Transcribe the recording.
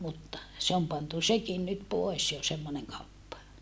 mutta se on pantu sekin nyt pois jo semmoinen kauppa